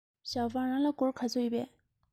ཞའོ ཧྥང རང ལ སྒོར ག ཚོད ཡོད པས